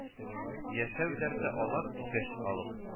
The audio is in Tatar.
Яшәү дәрте алып, көч алып